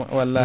wallahi